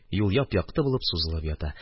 Юл яп-якты булып сузылып ята.